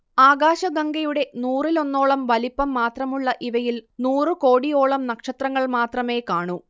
ആകാശഗംഗയുടെ നൂറിലൊന്നോളം വലിപ്പം മാത്രമുള്ള ഇവയിൽ നൂറുകോടിയോളം നക്ഷത്രങ്ങൾ മാത്രമേ കാണൂ